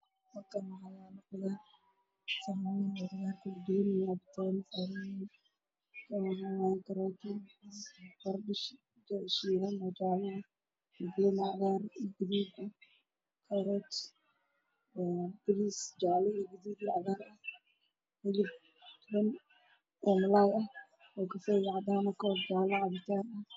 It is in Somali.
Halkaan waxaa ka muuqdo miis cadaan ah waxaana saaran cuntooyin kala duwan sida soor cadaan ah ansalaato iyo cabitaan